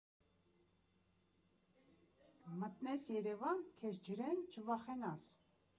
Մտնես Երևան, քեզ ջրեն՝ չվախենաս։